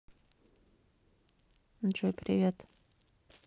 джой привет